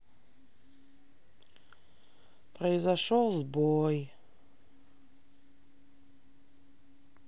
произошел сбой